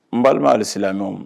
N balima hali silamɛw